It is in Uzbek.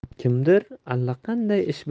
kimdir allaqanday ish